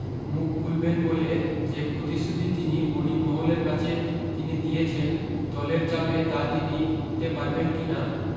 মুখ খুলবেন বলে যে প্রতিশ্রুতি তিনি বণিক মহলের কাছে তিনি দিয়েছেন দলের চাপে তা তিনি করে উঠতে পারবেন কিনা